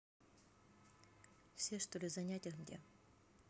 все что ли занять их где